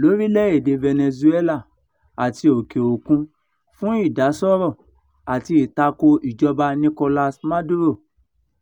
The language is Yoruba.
l'órílẹ̀ èdè Venezuela àti òkè òkun fún ìdásọ́rọ̀ àti ìtakò ìjọba Nicholas Maduro.